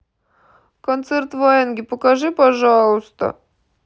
концерт ваенги покажи пожалуйста